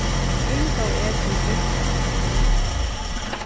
inga og eg skulu giftast